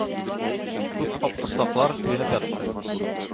Күп капкорсаклар туенып ятты.